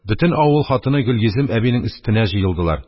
Бөтен авыл хатыны Гөлйөзем әбинең өстенә җыелдылар.